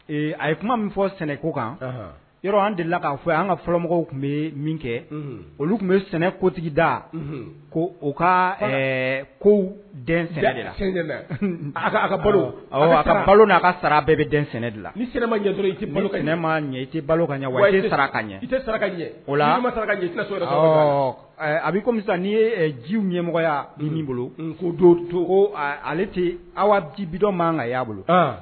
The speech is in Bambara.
A ye kuma min fɔ sɛnɛ ko kan yɔrɔ an de la k'a fɔ an ka fɔlɔmɔgɔw tun bɛ min kɛ olu tun bɛ sɛnɛ kotigi da ko u ka ko sɛnɛ de la ka balo ka balo'a ka sara bɛɛ bɛ den sɛnɛ de la nima ɲɛ i tɛ balo ne ma ɲɛ i tɛ balo ɲɛ sara ɲɛ i saraka a bɛ komi n'i ye ji ɲɛmɔgɔya bolo k'o don to ale tɛ aw bibidɔn man kan y'a bolo